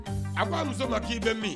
A k' aa muso ma k'i bɛ min